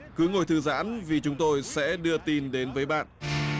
cứ ngồi thư giãn vì chúng tôi sẽ đưa tin đến với bạn